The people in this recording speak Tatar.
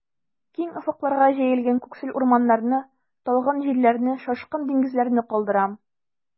Киң офыкларга җәелгән күксел урманнарны, талгын җилләрне, шашкын диңгезләрне калдырам.